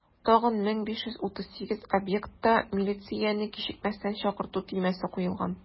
Тагын 1538 объектта милицияне кичекмәстән чакырту төймәсе куелган.